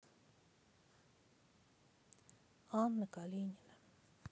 анна калина